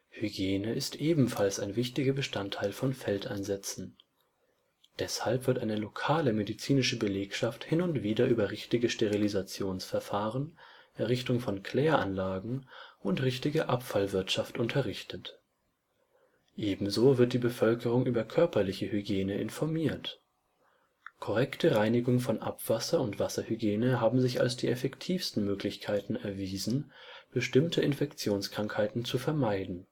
Hygiene ist ebenfalls ein wichtiger Bestandteil von Feldeinsätzen. Deshalb wird eine lokale medizinische Belegschaft hin und wieder über richtige Sterilisationsverfahren, Errichtung von Kläranlagen, und richtige Abfallwirtschaft unterrichtet. Ebenso wird die Bevölkerung über körperliche Hygiene informiert. Korrekte Reinigung von Abwasser und Wasserhygiene haben sich als die effektivsten Möglichkeiten erwiesen, bestimmte Infektionskrankheiten zu vermeiden